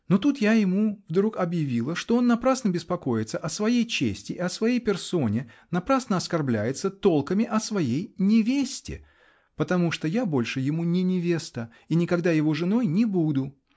-- но тут я ему вдруг объявила, что он напрасно беспокоится о своей чести и о своей персоне, напрасно оскорбляется толками о своей невесте -- потому что я больше ему не невеста и никогда его женой не буду!